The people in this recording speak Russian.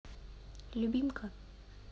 любимка